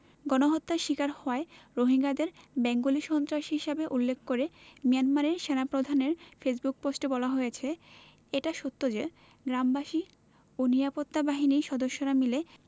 গণহত্যার শিকার হওয়া রোহিঙ্গাদের বেঙ্গলি সন্ত্রাসী হিসেবে উল্লেখ করে মিয়ানমারের সেনাপ্রধানের ফেসবুক পোস্টে বলা হয়েছে এটা সত্য যে গ্রামবাসী ও নিরাপত্তা বাহিনীর সদস্যরা মিলে